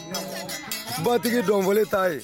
Nbatigi dɔn foli t'a ye